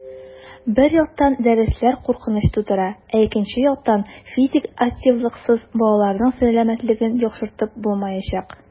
Бер яктан, дәресләр куркыныч тудыра, ә икенче яктан - физик активлыксыз балаларның сәламәтлеген яхшыртып булмаячак.